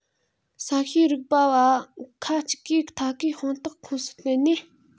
ས གཤིས རིག པ བ ཁ ཅིག གིས ཐད ཀའི དཔང རྟགས ཁུངས སུ བརྟེན ནས